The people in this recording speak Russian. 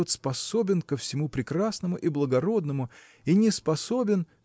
тот способен ко всему прекрасному и благородному и неспособен.